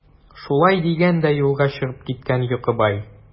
Шулай дигән дә юлга чыгып киткән Йокыбай.